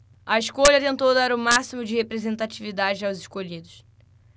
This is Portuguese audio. a escolha tentou dar o máximo de representatividade aos escolhidos